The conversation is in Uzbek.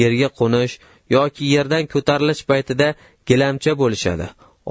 yerga qo'nish yoki yerdan ko'tarilish paytida gilamcha bo'lishadi